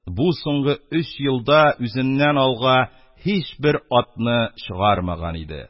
Бу соңгы өч елда үзеннән алга һичбер атны чыгармаган иде.